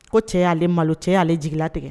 Ko cɛ y'ale malo cɛ y'ale jigilatigɛ